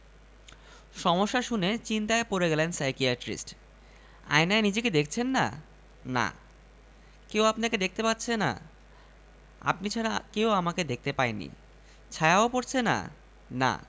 টেবিলে চাপড়ে বললেন আপনার গুম হওয়ার কারণ পেয়ে গেছি ‘কী কারণ আগ্রহী চোখে তাকালেন মন্ত্রী আপনি সব দিক দিয়ে সফল হলেও প্রেমে কিন্তু ব্যর্থ ঠিক